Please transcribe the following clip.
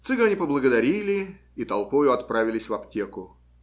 Цыгане поблагодарили и толпою отправились в аптеку.